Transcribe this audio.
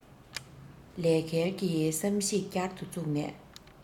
ལས སྐལ གྱི བསམ གཞིགས བསྐྱར དུ བཙུགས དུས